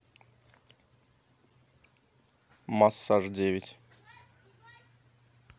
массаж девять